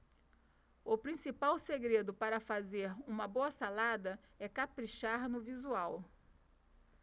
o principal segredo para fazer uma boa salada é caprichar no visual